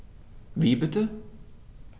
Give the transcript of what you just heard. Wie bitte?